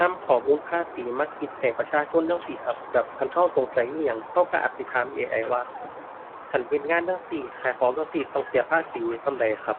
นำข้อมูลภาษีมาคิดให้ประชาชนจั่งซี้ครับ แบบคันก็สงสัยอิหยัง ก็ก็อาจสิถาม AI ว่า หั้นเฮ็ดงานจั่งซี้ ขายของจั่งซี้ ต้องเสียภาษีส่ำใดครับ